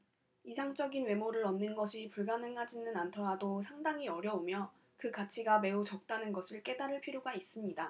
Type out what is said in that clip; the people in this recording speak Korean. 이상적인 외모를 얻는 것이 불가능하지는 않더라도 상당히 어려우며 그 가치가 매우 적다는 것을 깨달을 필요가 있습니다